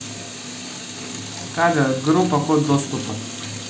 кавер группа код доступа